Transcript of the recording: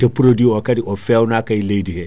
te produit o kaadi o fewnaka e leydi he